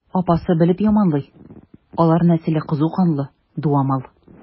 Апасы белеп яманлый: алар нәселе кызу канлы, дуамал.